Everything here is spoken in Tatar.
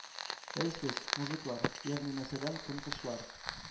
-әй сез, мужиклар, ягъни мәсәлән, тыңкышлар,